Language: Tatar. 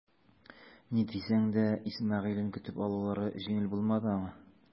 Ни дисәң дә Исмәгыйлен көтеп алулары җиңел булмады аңа.